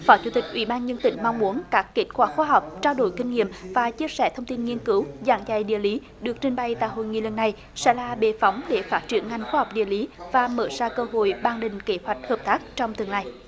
phó chủ tịch ủy ban nhân dân tỉnh mong muốn các kết quả khoa học trao đổi kinh nghiệm và chia sẻ thông tin nghiên cứu giảng dạy địa lý được trình bày tại hội nghị lần này sẽ là bệ phóng để phát triển ngành khoa học địa lý và mở ra cơ hội bàn định kế hoạch hợp tác trong tương lai